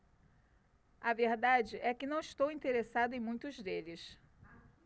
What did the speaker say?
a verdade é que não estou interessado em muitos deles